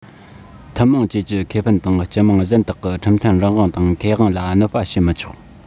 ཐུན མོང བཅས ཀྱི ཁེ ཕན དང སྤྱི དམངས གཞན དག གི ཁྲིམས མཐུན རང དབང དང ཁེ དབང ལ གནོད པ བྱེད མི ཆོག